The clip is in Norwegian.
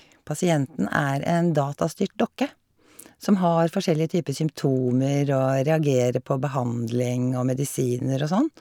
Pasienten er en datastyrt dokke, som har forskjellige typer symptomer og reagerer på behandling og medisiner og sånt.